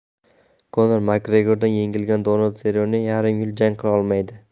konor makgregordan yengilgan donald serrone yarim yil jang qila olmaydi